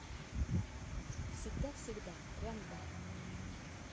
всегда всегда прям да